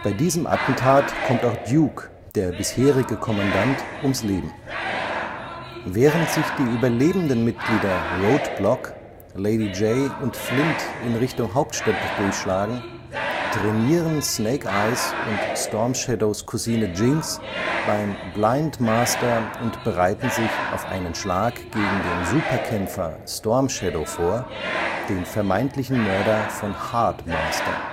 diesem Attentat kommt auch Duke, der bisherige Kommandant, ums Leben. Während sich die überlebenden Mitglieder Roadblock, Lady Jaye und Flint in Richtung Hauptstadt durchschlagen, trainieren Snake Eyes und Storm Shadows Cousine Jinx beim Blind Master und bereiten sich auf einen Schlag gegen den Superkämpfer Storm Shadow vor, den vermeintlichen Mörder von Hard Master